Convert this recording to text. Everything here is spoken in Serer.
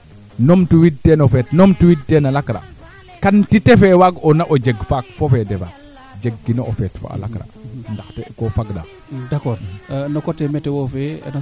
a refa ngaa comme nen kaaf o leye ax a mbanu bug ma bugoo o duufik im naq ndap na sug ngaaf ka wuunda